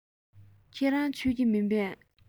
ཁྱོད རང མཆོད ཀྱི མིན པས